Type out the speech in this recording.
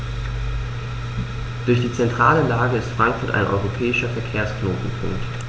Durch die zentrale Lage ist Frankfurt ein europäischer Verkehrsknotenpunkt.